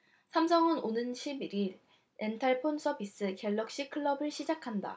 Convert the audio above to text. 삼성은 오는 십 일 일 렌탈폰 서비스 갤럭시 클럽을 시작한다